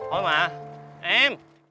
thôi mà em